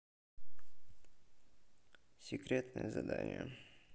секретное задание